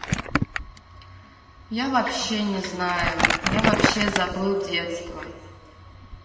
я вообще не знаю я вообще забыл детство